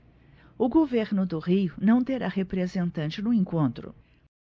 o governo do rio não terá representante no encontro